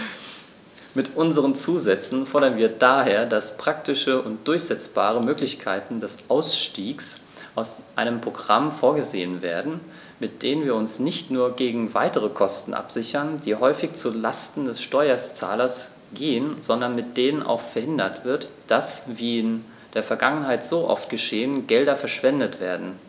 Mit unseren Zusätzen fordern wir daher, dass praktische und durchsetzbare Möglichkeiten des Ausstiegs aus einem Programm vorgesehen werden, mit denen wir uns nicht nur gegen weitere Kosten absichern, die häufig zu Lasten des Steuerzahlers gehen, sondern mit denen auch verhindert wird, dass, wie in der Vergangenheit so oft geschehen, Gelder verschwendet werden.